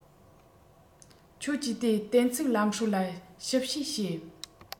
ཁྱོད ཀྱིས དེ གཏན ཚིགས ལམ སྲོལ ལ ཞིབ དཔྱད བྱེད